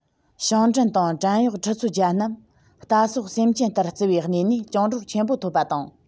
ཞིང བྲན དང བྲན གཡོག ཁྲི ཚོ བརྒྱ རྣམས རྟ ཟོག སེམས ཅན ལྟར བརྩི བའི གནས ནས བཅིངས འགྲོལ ཆེན པོ ཐོབ པ དང